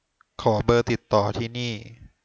ขอเบอร์ติดต่อที่นี่